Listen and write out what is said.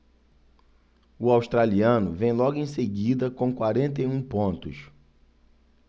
o australiano vem logo em seguida com quarenta e um pontos